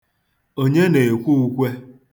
Onye na-ekwe ukwe?